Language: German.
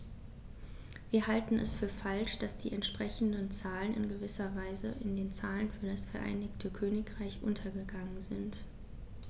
Wir halten es für falsch, dass die entsprechenden Zahlen in gewisser Weise in den Zahlen für das Vereinigte Königreich untergegangen sind.